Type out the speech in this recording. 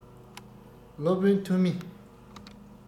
སློབ དཔོན ཐོན མི